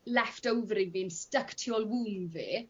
left ovary fi'n styc tu ôl womb fi